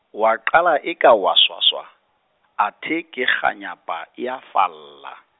wa qala eka o a swaswa, athe ke kganyapa e a falla.